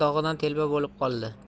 dog'idan telba bo'lib qoldi